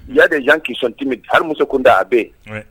_ Il y a des gens qui sont timides halimuso kunda a bɛ yen